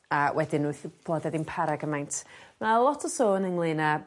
A wedyn bod o ddim para gymaint. Ma' lot o sôn ynglŷn â